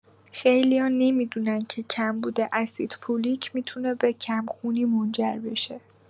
خیلی‌ها نمی‌دونن که کمبود اسیدفولیک می‌تونه به کم‌خونی منجر بشه.